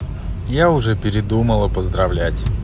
я уже передумала поздравлять